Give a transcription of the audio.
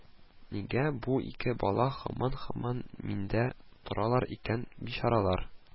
Нигә бу ике бала һаман-һаман миндә торалар икән, бичаралар